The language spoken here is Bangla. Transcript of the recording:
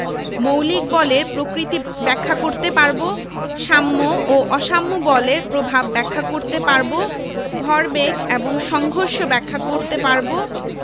মৌলিক বলের প্রকৃতি ব্যাখ্যা করতে পারব সাম্য ও অসাম্য বলের প্রভাব ব্যাখ্যা করতে পারব ভরবেগ এবং সংঘর্ষ ব্যাখ্যা করতে পারব